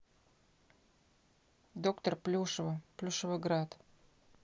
доктор плюшева плюшевоград